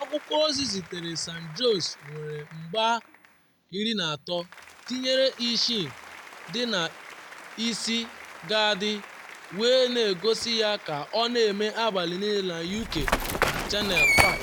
Akwụkwọ ozi sitere San Jose nwere mgba 13, tinyere isii dị na isi kaadị wee na-egosi ya ka ọ na-eme abalị niile na Uk na Channel 5.